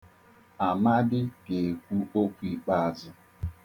Amadị ga-ekwu okwu ikpeazụ.